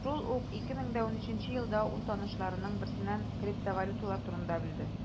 Шул ук 2013 елда ул танышларының берсеннән криптовалюталар турында белде.